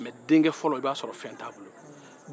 mɛ i b'a sɔrɔ fɛn tɛ denkɛ fɔlɔ bolo